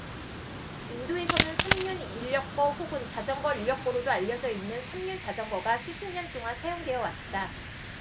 인도에서는 삼륜 인력거 혹은 자전거 인력거로도 알려져 있는 삼륜 자전거가 수십 년 동안 사용되어 왔다